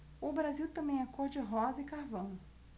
o brasil também é cor de rosa e carvão